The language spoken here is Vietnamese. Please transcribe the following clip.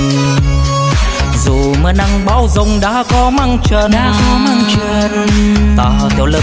dù mưa nắng bão dông đá có mắc chân ta theo lớp đàn anh ý chí kiên cường